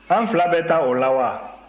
an fila bɛ taa o la wa